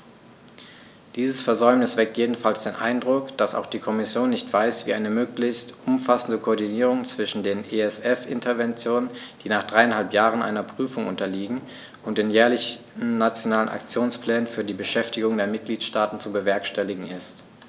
Dieses Versäumnis weckt jedenfalls den Eindruck, dass auch die Kommission nicht weiß, wie eine möglichst umfassende Koordinierung zwischen den ESF-Interventionen, die nach dreieinhalb Jahren einer Prüfung unterliegen, und den jährlichen Nationalen Aktionsplänen für die Beschäftigung der Mitgliedstaaten zu bewerkstelligen ist.